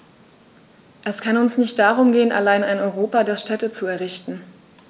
Es kann uns nicht darum gehen, allein ein Europa der Städte zu errichten.